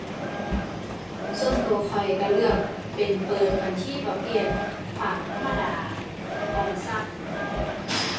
ส่วนตัวข้อยตัวเลือกเป็นเปิดบัญชีประเภทฝากธรรมดา ออมทรัพย์